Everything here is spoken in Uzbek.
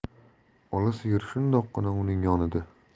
ola sigir shundoqqina uning yonida